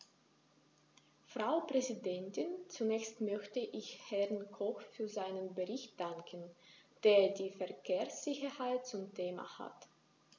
Frau Präsidentin, zunächst möchte ich Herrn Koch für seinen Bericht danken, der die Verkehrssicherheit zum Thema hat.